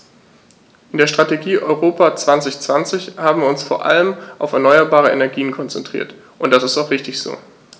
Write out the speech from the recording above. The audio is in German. In der Strategie Europa 2020 haben wir uns vor allem auf erneuerbare Energien konzentriert, und das ist auch richtig so.